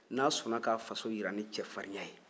n'a sɔnna k'a faso jira ni cɛfarinya ye